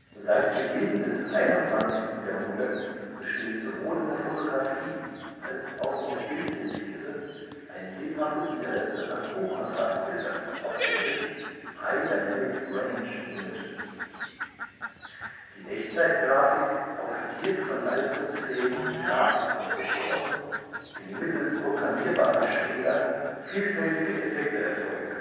Seit Beginn des 21. Jahrhunderts besteht sowohl in der Fotografie als auch in der Bildsynthese ein lebhaftes Interesse an Hochkontrastbildern (High Dynamic Range Images). Die Echtzeitgrafik profitiert von leistungsfähigen Grafikprozessoren, die mittels programmierbarer Shader vielfältige Effekte erzeugen